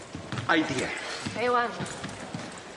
Idea. Be' 'wan?